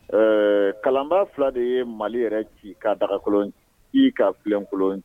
Ɛɛ kalanbaa 2 de ye Mali yɛrɛ ci ka dagakolon ci ka filenkolon ci!